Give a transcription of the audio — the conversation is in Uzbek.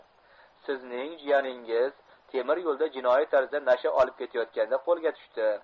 sizning jiyaningiz temir yo'lda jinoiy tarzda nasha olib ketayotganda qo'lga tushdi